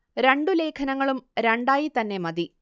രണ്ടു ലേഖനങ്ങളും രണ്ടായി തന്നെ മതി